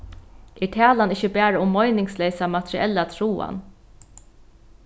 er talan ikki bara um meiningsleysa materiella tráan